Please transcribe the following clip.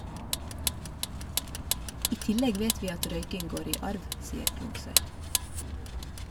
- I tillegg vet vi at røyking går i arv , sier Klungsøyr.